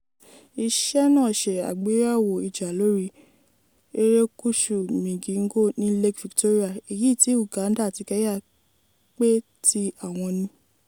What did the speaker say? Àwọn apẹja ilẹ̀ Kenya ti rọ àwọn olórí olóṣèlú wọn láti dá síi, àwọn kan tilẹ̀ ń lérí ipá.